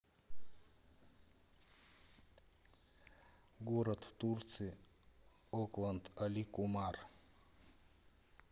город в турции окланд али кумар